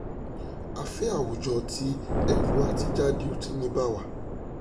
A fẹ́ àwùjọ tí ẹ̀rù àtijáde ò ti ní bà wá!